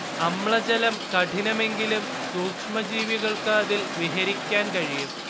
അമ്ലജലം കഠിനമെങ്കിലും സൂക്ഷ്മജീവികൾക്ക് അതിൽ വിഹരിക്കാൻ കഴിയും